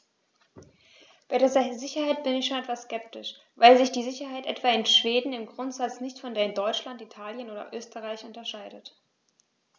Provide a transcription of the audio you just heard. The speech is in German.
Bei der Sicherheit bin ich schon etwas skeptisch, weil sich die Sicherheit etwa in Schweden im Grundsatz nicht von der in Deutschland, Italien oder Österreich unterscheidet.